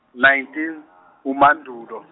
nineteen uMandulo.